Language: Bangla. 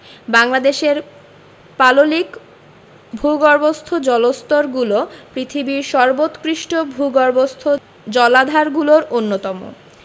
বাংলাদেশের পাললিক ভূগর্ভস্থ জলস্তরগুলো পৃথিবীর সর্বোৎকৃষ্টভূগর্ভস্থ জলাধারগুলোর অন্যতম